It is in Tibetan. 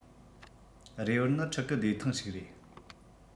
རེ བར ནི ཕྲུ གུ བདེ ཐང ཞིག རེད